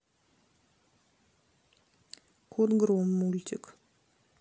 кот гром мультик